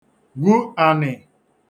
gwu anị̀